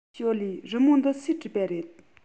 ཞོའོ ལིའི རི མོ འདི སུས བྲིས པ རེད